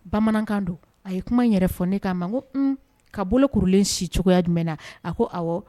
Bamanankan don a ye kuma yɛrɛ fɔ ne k'a ma ko ka bolo kurulen si cogoya jumɛn na a ko